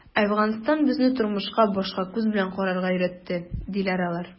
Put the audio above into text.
“әфганстан безне тормышка башка күз белән карарга өйрәтте”, - диләр алар.